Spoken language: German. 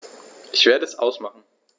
Ich werde es ausmachen